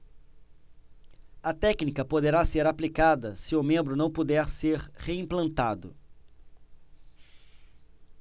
a técnica poderá ser aplicada se o membro não puder ser reimplantado